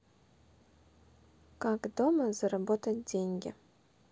как дома заработать деньги